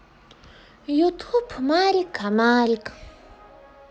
ютуб марик комарик